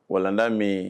Walanda min